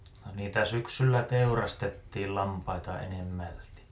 no niitä syksyllä teurastettiin lampaita enemmälti